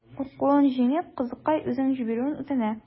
Куркуын җиңеп, кызыкай үзен җибәрүен үтенә.